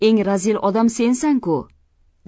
eng razil odam sensan ku